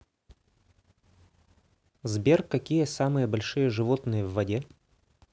сбер какие самые большие животные в воде